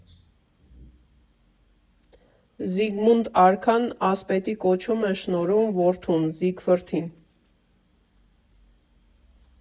Զիգմունդ արքան ասպետի կոչում է շնորհում որդուն՝ Զիգֆրդին։